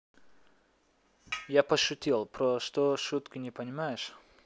я пошутил про что шутки не понимаешь